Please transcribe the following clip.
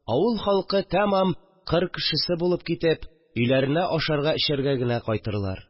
Авыл халкы тәмам кыр кешесе булып китеп, өйләренә ашарга-эчәргә генә кайтырлар